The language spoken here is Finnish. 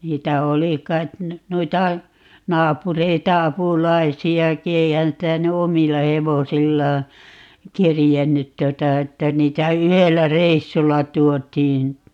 niitä oli kai noita naapureita apulaisiakin eihän sitä nyt omilla hevosillaan kerinnyt tuota että niitä yhdellä reissulla tuotiin